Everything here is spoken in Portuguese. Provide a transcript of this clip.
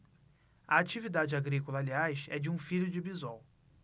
a atividade agrícola aliás é de um filho de bisol